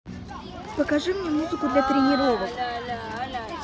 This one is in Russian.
покажи мне музыку для тренировок